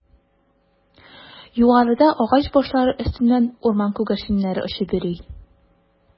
Югарыда агач башлары өстеннән урман күгәрченнәре очып йөри.